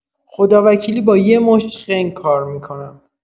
خداوکیلی با یه مشت خنگ کار می‌کنم.